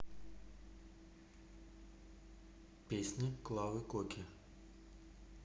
песни клавы коки